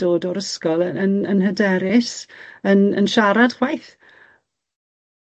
dod o'r ysgol y- yn yn hyderus, yn yn siarad chwaith.